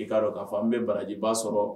I k'a dɔn'a fa an bɛ barajiba sɔrɔ